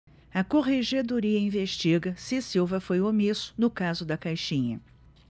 a corregedoria investiga se silva foi omisso no caso da caixinha